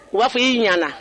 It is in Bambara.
Wa fɔ y'i ɲana